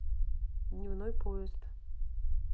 дневной поезд